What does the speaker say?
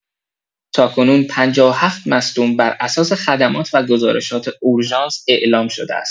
تاکنون، ۵۷ مصدوم براساس خدمات و گزارشات اورژانس اعلام شده است.